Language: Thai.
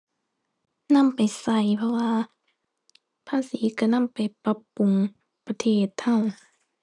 นำไปใช้ เพราะว่าภาษีใช้นำไปปรับปรุงประเทศใช้